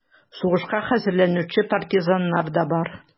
Сугышка хәзерләнүче партизаннар да бар: